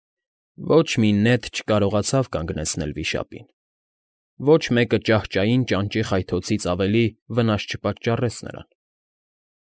Ոչ մի նետ չկարողացավ կանգնեցնել վիշապին, ոչ մեկը ճահճային ճանճի խայթոցից ավելի վնաս չպատճառեց նրան։